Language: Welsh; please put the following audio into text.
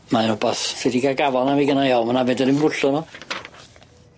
Mae wbath sy 'di gael gafal arna i gennai ofn a na fedrai 'im fo.